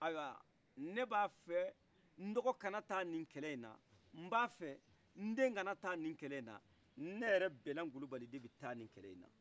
ayiwa ne ba fɛ ndɔkɔ kana taa ni kɛlɛ in na mbafɛ nden kana taa ni kɛlɛ in na ayiwa ne yɛrɛ bɛlan kulibali de bi taa ni kɛlɛ in na